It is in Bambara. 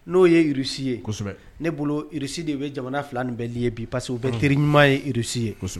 N'o ye rusi ye ne bolorusi de bɛ jamana fila nin bɛli ye bi pa bɛ kiri ɲumanmaa yerusi ye